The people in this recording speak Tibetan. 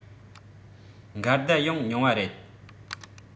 འགལ ཟླ ཡོང མྱོང བ རེད